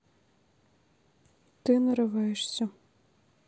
ты нарываешься